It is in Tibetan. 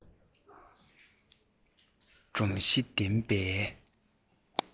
སྒྲོམ གཞི ལྡན པའི